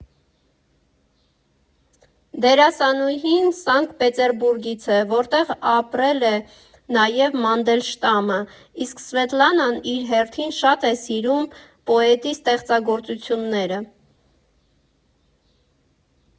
Դերասանուհին Սանկտ Պետերբուրգից է, որտեղ ապրել է նաև Մանդելշտամը, իսկ Սվետլանան իր հերթին շատ է սիրում պոետի ստեղծագործությունները։